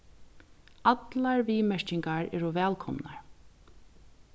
allar viðmerkingar eru vælkomnar